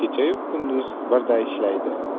lift kechayu kunduz birday ishlaydi